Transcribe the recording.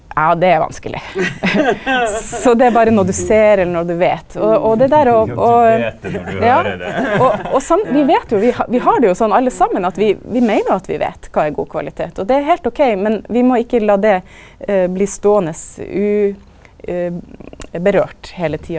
ja det er vanskeleg , så det er berre noko du ser eller noko du veit, og og det der å å ja og og vi veit jo vi vi har det jo sånn alle saman at vi vi meiner at vi veit kva er god kvalitet, og det er heilt ok, men vi må ikkje la det bli ståande urørt heile tida.